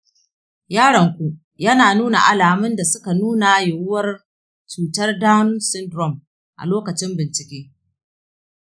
yaronku yana nuna alamun da suka nuna yiwuwar cutar down syndrome a lokacin bincike.